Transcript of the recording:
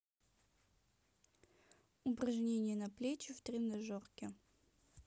упражнения на плечи в тренажерке